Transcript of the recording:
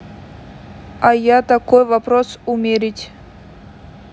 а я такой вопрос умерить